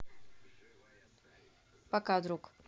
пока друг